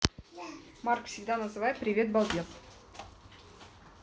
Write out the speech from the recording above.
mark всегда называй привет балбес